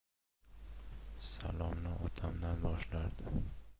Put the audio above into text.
salomni otamdan boshlardi